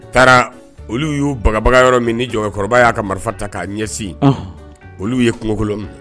U taara olu y'u bagabaga yɔrɔ min ni Jamakɔrɔba y'a ka marifa ta k'a ɲɛsin, olu ye kungokolon minɛ.